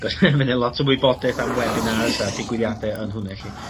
'C'os ma' 'ne lot o wybodeth am webinars a digwyddiade yn hwnna 'lly.